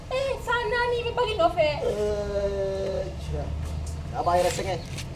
Ɛɛ san naani ba fɛ a b'a yɛrɛ sɛgɛn